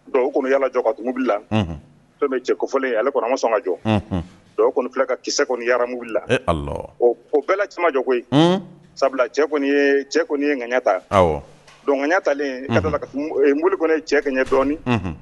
Don kɔmi bɛ ala jɔ ka tugunbilila bɛ cɛ kofɔlen alema san ka jɔ kɔni fila ka kisɛ kɔnimubilila o ko bɛɛ caman jɔgo sabula cɛ kɔni ye ŋɲa ta donɲa talen ka mo kɔni cɛ kaɲɛ dɔɔninɔni